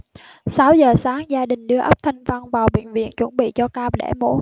sáu giờ sáng gia đình đưa ốc thanh vân vào bệnh viện chuẩn bị cho ca đẻ mổ